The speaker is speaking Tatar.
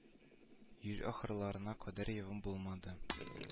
Июль ахырларына кадәр явым булмады